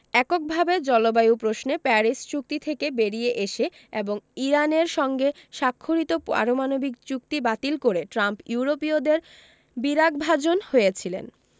এককভাবে জলবায়ু প্রশ্নে প্যারিস চুক্তি থেকে বেরিয়ে এসে এবং ইরানের সঙ্গে স্বাক্ষরিত পারমাণবিক চুক্তি বাতিল করে ট্রাম্প ইউরোপীয়দের বিরাগভাজন হয়েছিলেন